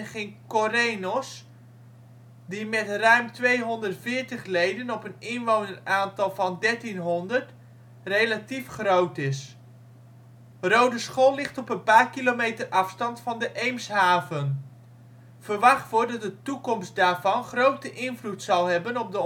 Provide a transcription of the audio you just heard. Corenos, die met ruim 240 leden op een inwoneraantal van 1300 relatief groot is. Roodeschool ligt op een paar kilometer afstand van de Eemshaven. Verwacht wordt dat de toekomst daarvan grote invloed zal hebben op